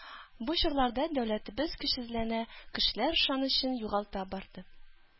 Бу чорларда дәүләтебез көчсезләнә, кешеләр ышанычын югалта барды.